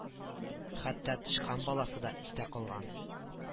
Хәтта тычкан баласы да истә калган